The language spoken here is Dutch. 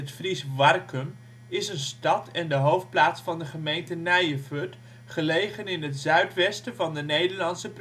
Fries: Warkum) is een stad en de hoofdplaats van de gemeente Nijefurd, gelegen in het zuidwesten van de Nederlandse